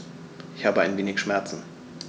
Ich habe ein wenig Schmerzen.